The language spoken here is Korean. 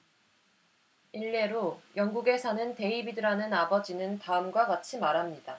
일례로 영국에 사는 데이비드라는 아버지는 다음과 같이 말합니다